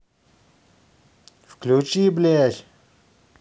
выключи блять